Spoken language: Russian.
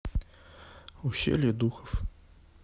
ущелье духов